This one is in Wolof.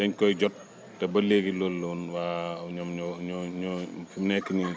dañ koy jot te ba léegi loolu la woon waa ñoom ñoo ñoo ñoo fi mu nekk nii